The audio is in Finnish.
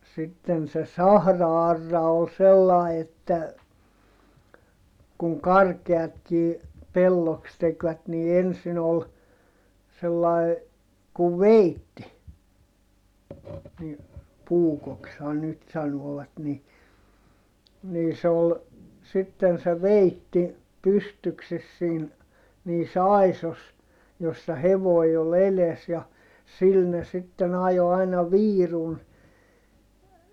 ja sitten se sahra-aura oli sellainen että kun karkeatkin pelloksi tekivät niin ensin oli sellainen kuin veitsi niin puukoksihan nyt sanovat niin niin se oli sitten se veitsi pystyksessä siinä niissä aisoissa jossa hevonen oli edessä ja sillä ne sitten ajoi aina viirun